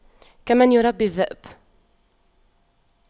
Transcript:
كمن يربي الذئب